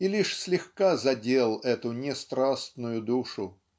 и лишь слегка задел эту нестрастную душу.